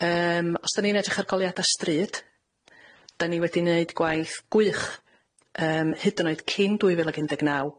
Yym, os 'dan ni'n edrych ar goliada stryd, 'da ni wedi neud gwaith gwych, yym hyd yn oed cyn dwy fil ag un deg naw.